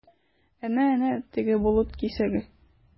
Әнә-әнә, теге болыт кисәге?